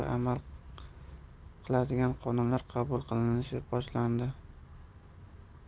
amal qiladigan qonunlar qabul qilinishi boshlandi